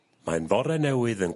Mae'n fore newydd yn...